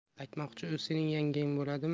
aytmoqchi u sening yangang boladimi